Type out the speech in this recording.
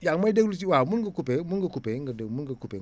yaa ngi may déglu si waaw mun nga couper mun nga couper nga déglu mun nga couper